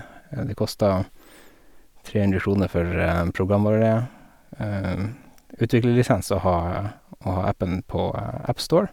Det koster tre hundre kroner for programvareutviklerlisens å ha å ha appen på Appstore.